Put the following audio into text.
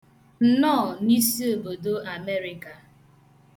Nnọọ, n'isiobiodo Amerịka.